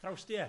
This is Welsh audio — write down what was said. Trawstie?